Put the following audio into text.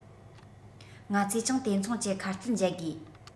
ང ཚོས ཀྱང དེ མཚུངས ཀྱི ཁ གཏད འཇལ དགོས